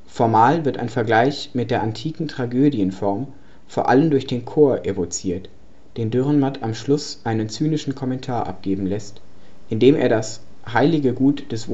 Formal wird ein Vergleich mit der antiken Tragödienform vor allem durch den Chor evoziert, den Dürrenmatt am Schluss einen zynischen Kommentar abgeben lässt, indem er das „ heilige Gut des Wohlstandes